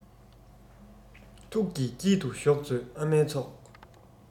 ཐུགས ཀྱི དཀྱིལ དུ ཞོག མཛོད ཨ མའི ཚོགས